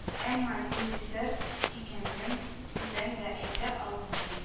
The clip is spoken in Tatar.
Әмма нинди сер икәнен үзем дә әйтә алмыйм